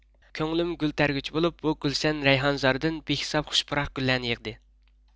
كۆڭلۈم گۈل تەرگۈچى بولۇپ بۇ گۈلشەن رەيھانزارىدىن بىھېساب خۇش پۇراق گۈللەرنى يىغدى